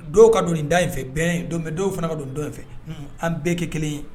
Dɔw ka don nin da in fɛ dɔw fana ka don don in fɛ an bɛɛ kɛ kelen ye